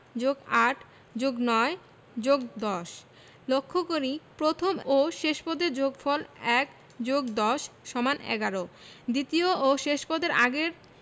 +৮+৯+১০ লক্ষ করি প্রথম ও শেষ পদের যোগফল ১+১০=১১ দ্বিতীয় ও শেষ পদের আগের